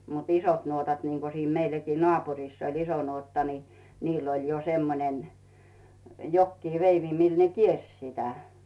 mutta isot nuotat niin kuin siinä meilläkin naapurissa oli iso nuotta niin niillä oli jo semmoinen jokin veivi millä ne kiersi sitä